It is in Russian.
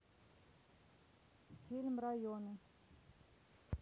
фильм районы